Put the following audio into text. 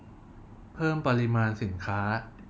เพิ่มปริมาณสินค้า